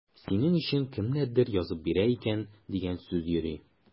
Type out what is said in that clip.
Синең өчен кемнәрдер язып бирә икән дигән сүз йөри.